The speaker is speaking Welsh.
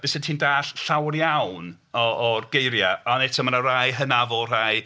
Byset ti'n dalld llawer iawn o o'r geiriau. Ond eto mae 'na rai hynafol, rhai...